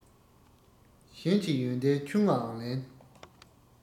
གཞན གྱི ཡོན ཏན ཆུང ངུའང ལེན